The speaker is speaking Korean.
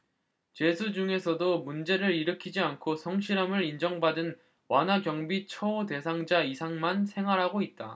죄수 중에서도 문제를 일으키지 않고 성실함을 인정받은 완화경비 처우 대상자이상만 생활하고 있다